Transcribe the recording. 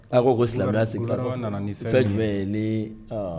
A ko silamɛda fɛn jumɛn ye ni